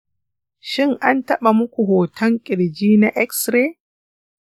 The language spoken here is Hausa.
shin an taɓa muku hoton ƙirji na x-ray?